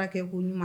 A Kɛ ko ɲuma